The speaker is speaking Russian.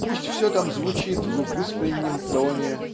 Пусть все там звучит в выспреннем тоне